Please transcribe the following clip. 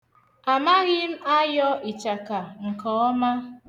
Amaghị m ayọ ịchaka nke ọma.